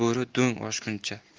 bo'ri do'ng oshguncha